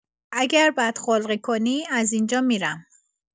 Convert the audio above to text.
اگر بدخلقی کنی از اینجا می‌رم